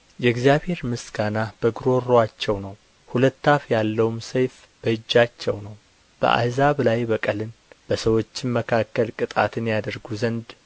የእግዚአብሔር ምስጋና በጕሮሮአቸው ነው ሁለት አፍ ያለውም ሰይፍ በእጃቸው ነው በአሕዛብ ላይ በቀልን በሰዎችም መካከል ቅጣትን ያደርጉ ዘንድ